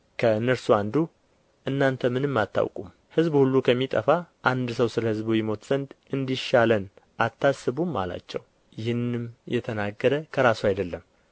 እናንተ ምንም አታውቁም ሕዝቡም ሁሉ ከሚጠፋ አንድ ሰው ስለ ሕዝቡ ይሞት ዘንድ እንዲሻለን አታስቡም አላቸው ይህንም የተናገረ ከራሱ አይደለም